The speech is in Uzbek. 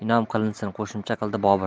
bilan inom qilinsin qo'shimcha qildi bobur